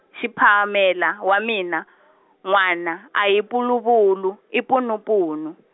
Shiphamela wa mina, n'wana a hi puluvulu i punupunu.